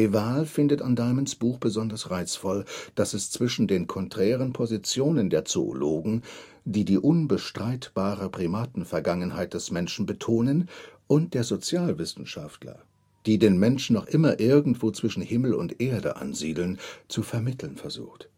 Waal findet an Diamonds Buch besonders reizvoll, dass es zwischen den konträren Positionen der Zoologen, die die unbestreitbare Primatenvergangenheit des Menschen betonen, und der Sozialwissenschaftler, die den Menschen noch immer irgendwo zwischen Himmel und Erde ansiedeln, zu vermitteln versucht